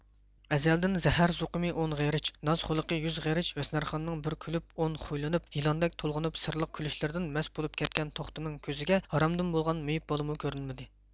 ئەزەلدىن زەھەر زوقۇمى ئون غېرىچ ناز خۇلقى يۈز غېرىچ ھۆسنارخاننىڭ بىر كۈلۈپ ئون خۇيلىنىپ يىلاندەك تولغىنىپ سىرلىق كۈلۈشلىرىدىن مەست بولۇپ كەتكەن توختىنىڭ كۆزىگە ھارامدىن بولغان مېيىپ بالىمۇ كۆرۈنمىدى